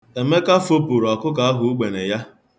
Emeka fopụrụ ọkụkọ ahụ ugbene ya.